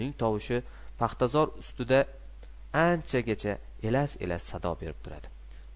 uning tovushi paxtazor ustida anchagacha elas elas sado berib turadi